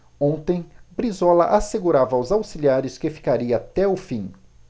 ontem brizola assegurava aos auxiliares que ficaria até o fim